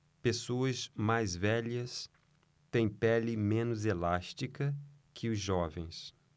pessoas mais velhas têm pele menos elástica que os jovens